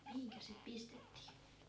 mihinkäs sitten pistettiin